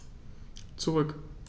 Zurück.